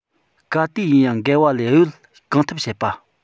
ག དུས ཡིན ཡང འགལ བ ལས གཡོལ གང ཐུབ བྱེད པ